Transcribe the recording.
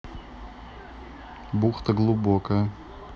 бухта глубокая